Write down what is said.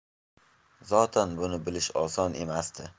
zotan buni bilish oson emasdi